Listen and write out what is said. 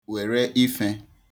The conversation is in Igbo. wère ifē